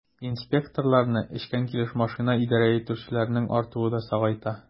Инспекторларны эчкән килеш машинага идарә итүчеләрнең артуы да сагайта.